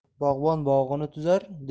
bog'bon bog'ini tuzar